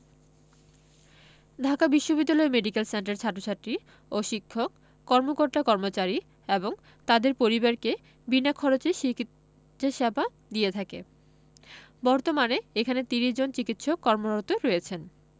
ঢাকা বিশ্ববিদ্যালয় medical centre ছাত্রছাত্রী ও শিক্ষক কর্মকর্তাকর্মচারী এবং তাদের পরিবারকে বিনা খরচে চিকিৎসা সেবা দিয়ে থাকে বর্তমানে এখানে ৩০ জন চিকিৎসক কর্মরত রয়েছেন